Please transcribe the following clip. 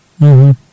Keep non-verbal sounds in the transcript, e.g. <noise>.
<hesitation> <hesitation>